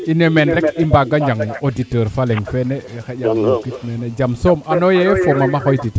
in way meen rek i mbaaga njang auditeur fa leŋ feene xaƴa mukit neene jam soom anoye fo mama xooy tita